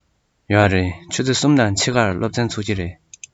ཡོད རེད ཆུ ཚོད གསུམ དང ཕྱེད ཀར སློབ ཚན ཚུགས ཀྱི རེད